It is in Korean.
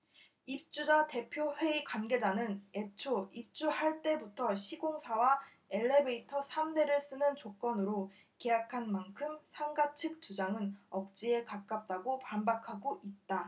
입주자 대표회의 관계자는 애초 입주할 때부터 시공사와 엘리베이터 삼 대를 쓰는 조건으로 계약한 만큼 상가 측 주장은 억지에 가깝다고 반박하고 있다